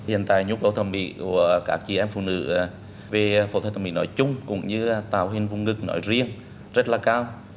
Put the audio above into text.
hiện tại nhu cầu thẩm mỹ của các chị em phụ nữ về phẫu thuật thẩm mỹ nói chung cũng như tạo hình vùng ngực nói riêng rất là cao